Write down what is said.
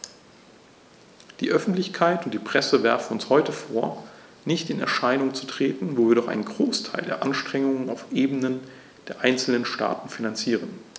Die Öffentlichkeit und die Presse werfen uns heute vor, nicht in Erscheinung zu treten, wo wir doch einen Großteil der Anstrengungen auf Ebene der einzelnen Staaten finanzieren.